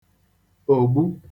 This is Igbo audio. ògbu